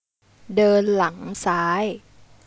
เดินหลังซ้าย